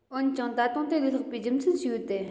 འོན ཀྱང ད དུང དེ ལས ལྷག པའི རྒྱུ མཚན ཞིག ཡོད དེ